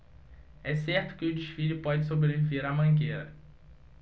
é certo que o desfile pode sobreviver à mangueira